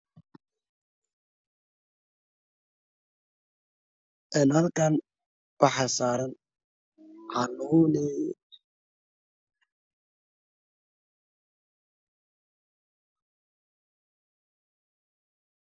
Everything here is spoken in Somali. Een halkan waxa saran carwo huu dhey